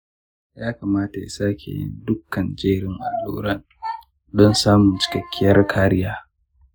ya kamata ya sake yin dukkan jerin alluran don samun cikakkiyar kariya .